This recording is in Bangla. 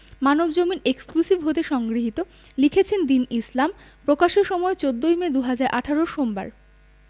মানবজমিন এক্সক্লুসিভ হতে সংগৃহীত লিখেছেনঃ দীন ইসলাম প্রকাশের সময় ১৪ মে ২০১৮ সোমবার